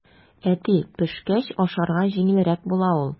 Әти, пешкәч ашарга җиңелрәк була ул.